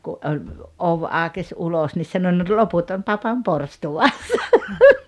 kun oli ovi aukesi ulos niin sanoi no loput on papan porstuassa